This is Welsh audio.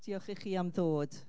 Diolch i chi am ddod.